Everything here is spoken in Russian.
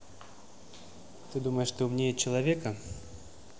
ты думаешь ты умнее человека